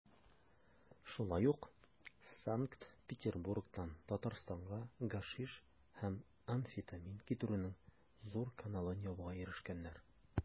Шулай ук Санкт-Петербургтан Татарстанга гашиш һәм амфетамин китерүнең зур каналын ябуга ирешкәннәр.